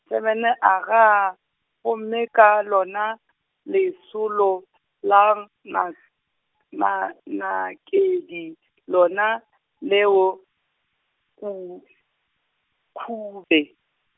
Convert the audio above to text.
agaa, gomme ka lona, lesolo la na, na nakedi lona leo, khu-, Khupe.